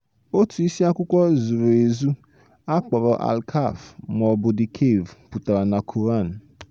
Otu isiakwụkwọ zueu ezu a kpọrọ "Al Kahf" ma ọ bụ "The Cave" pụtara na Koran.